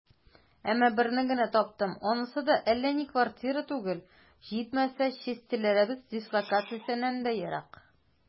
Әмма берне генә таптым, анысы да әллә ни квартира түгел, җитмәсә, частьләребез дислокациясеннән дә ерак.